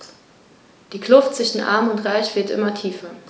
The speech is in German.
Die Kluft zwischen Arm und Reich wird immer tiefer.